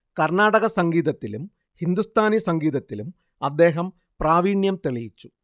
കര്ണാടക സംഗീതത്തിലും ഹിന്ദുസ്ഥാനി സംഗീതത്തിലും അദ്ദേഹം പ്രാവീണ്യം തെളിയിച്ചു